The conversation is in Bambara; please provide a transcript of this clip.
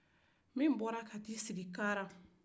min bɔra ka t' sigi karan